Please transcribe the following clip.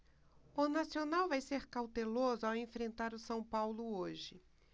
o nacional vai ser cauteloso ao enfrentar o são paulo hoje